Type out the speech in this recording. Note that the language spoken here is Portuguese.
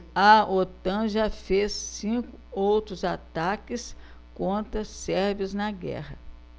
a otan já fez cinco outros ataques contra sérvios na guerra